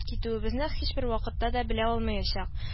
Китүебезне һичбер вакытта да белә алмаячак